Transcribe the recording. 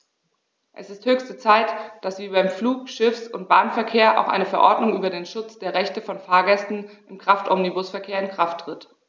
Es ist höchste Zeit, dass wie beim Flug-, Schiffs- und Bahnverkehr auch eine Verordnung über den Schutz der Rechte von Fahrgästen im Kraftomnibusverkehr in Kraft tritt.